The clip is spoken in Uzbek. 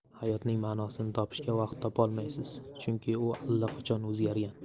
hayotning ma'nosini topishga vaqt topolmaysiz chunki u allaqachon o'zgargan